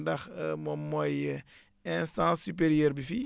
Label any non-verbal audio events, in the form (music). ndax (hesitation) moom mooy instance supérieur bi fii